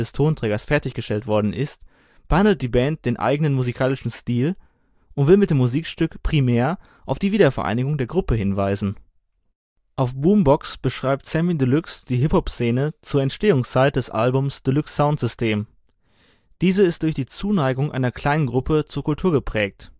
Tonträgers fertig gestellt worden ist, behandelt die Band den eigenen musikalischen Stil und will mit dem Musikstück primär auf die Wiedervereinigung der Gruppe hinweisen. Auf Boombox beschreibt Samy Deluxe die Hip-Hop-Szene zur Entstehungszeit des Albums Deluxe Soundsystem. Diese ist durch die Zuneigung einer kleinen Gruppe zur Kultur geprägt